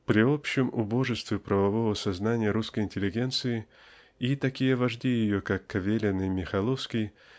При общем убожестве правового сознания русской интеллигенции и такие вожди ее как Кавелин и Михайловский